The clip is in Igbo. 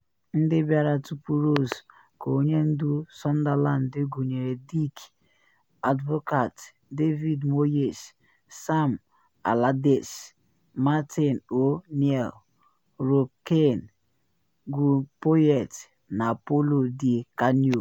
Ndị bịara tupu Ross ka onye ndu Sunderland gụnyere Dick Advocaat, David Moyes, Sam Allardyce, Martin O'Neill, Roy Keane, Gue Poyet na Paulo Di Canio.